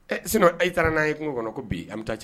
Sin a taara n'a ye kungo kɔnɔ ko bi an bɛ taa cɛ